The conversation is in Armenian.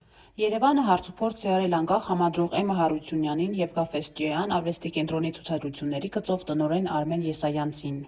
ԵՐԵՎԱՆը հարցուփորձ է արել անկախ համադրող Էմմա Հարությունյանին և Գաֆէսճեան արվեստի կենտրոնի ցուցադրությունների գծով տնօրեն Արմեն Եսայանցին։